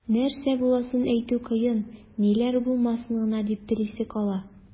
Нәрсә буласын әйтү кыен, ниләр булмасын гына дип телисе кала.